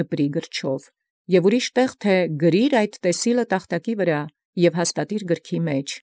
Դպրիե։ Եւ այլուր, թէ՝ «Գրեա՛ զտեսիլդ ի տախտակի, և ի գիրս հաստատեաե։